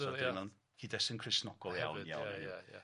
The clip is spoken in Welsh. So dyna cyd-destun Cristnogol iawn... Ia ia ia.